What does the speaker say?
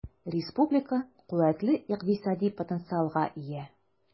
Республика куәтле икътисади потенциалга ия.